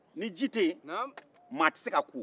ni ji tɛ yen mɔgɔ tɛ se ka ko